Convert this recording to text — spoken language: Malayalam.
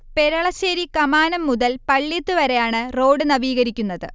പെരളശ്ശേരി കമാനം മുതൽ പള്ള്യത്ത് വരെയാണ് റോഡ് നവീകരിക്കുന്നത്